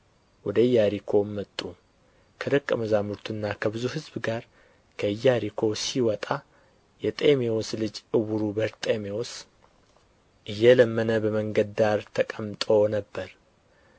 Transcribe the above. ወደ ኢያሪኮም መጡ ከደቀ መዛሙርቱና ከብዙ ሕዝብ ጋር ከኢያሪኮ ሲወጣ የጤሜዎስ ልጅ ዕውሩ በርጤሜዎስ እየለመነ በመንገድ ዳር ተቀምጦ ነበር